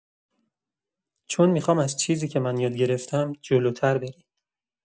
چون می‌خوام از چیزی که من یاد گرفتم جلوتر بری.